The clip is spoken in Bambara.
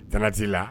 Tana tti' la